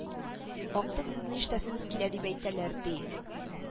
Актык сүзне ишетәсебез килә дип әйтәләр ди